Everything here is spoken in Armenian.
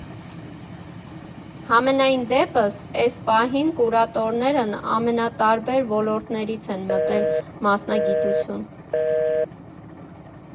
Համենայն դեպս՝ էս պահին կուրատորներն ամենատարբեր ոլորտներից են մտել մասնագիտություն։